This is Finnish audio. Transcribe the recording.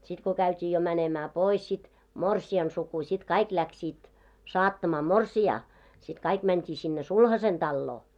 sitten kun käytiin jo menemään pois sitten morsiamen suku sitten kaikki lähtivät saattamaan morsianta sitten kaikki mentiin sinne sulhasen taloon